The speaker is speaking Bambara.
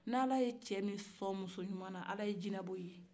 n'ala ye cɛ min sɔn musoɲuma na ala ye jinɛ bɔ e ye